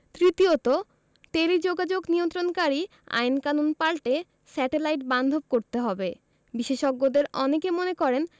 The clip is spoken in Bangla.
তৃতীয়ত টেলিযোগাযোগ নিয়ন্ত্রণকারী আইনকানুন পাল্টে স্যাটেলাইট বান্ধব করতে হবে বিশেষজ্ঞদের অনেকে মনে করেন